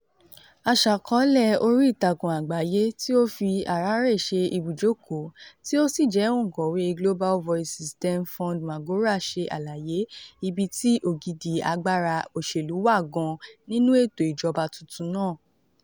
Aṣàkọọ́lẹ̀ oríìtakùn àgbáyé tí ó fi Harare ṣe ibùjókòó tí ó sì jẹ́ Òǹkọ̀wé Global Voices, Denford Magora, ṣe àlàyé ibi tí ògidì agbára òṣèlú wà gan nínú ètò ìjọba tuntun náà.